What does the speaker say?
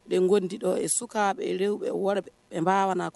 Den kodidɔ su ka warimana kuwa